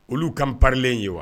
Olu ka panlen in ye wa